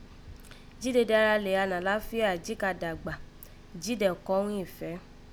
Jí dede ara lè gha ni àlàáfíà, jí ka dàgbà jí dẹ̀ kọ́n ghún ìfẹ́